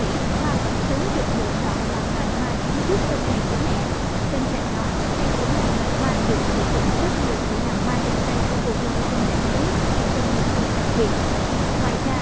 tại mỹ hoa cẩm chướng được lựa chọn là loài hoa chính thức trong ngày của mẹ hoa cẩm chướng được sử dụng nhiều nhât làm hoa đeo tay cho cô dâu trong lễ cưới hay các sự kiện đặc biệt